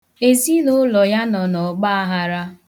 Ezinụụlọ ya nọ n' ọgbaahara.